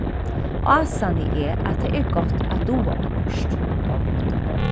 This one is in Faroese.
ásanni eg at tað er gott at duga okkurt